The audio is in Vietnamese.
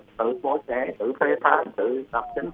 sự của trẻ tự phê phán thử đọc cho